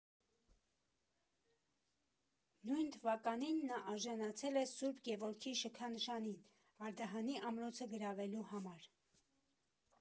Նույն թվականին նա արժանացել է Սուրբ Գևորգի շքանշանին՝ Արդահանի ամրոցը գրավելու համար։